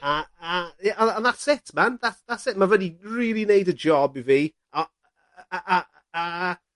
a a ie a a that's it man tha- that's it ma' wedi rili neud y job i fi o- y y a a a a